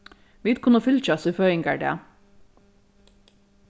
vit kunnu fylgjast í føðingardag